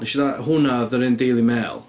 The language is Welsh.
Wnes i fatha... hwnna oedd yr un Daily Mail.